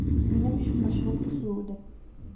Минем өчен борчылып үксүедер...